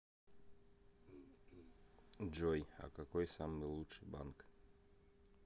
джой а какой самый лучший банк